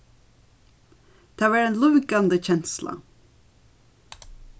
tað var ein lívgandi kensla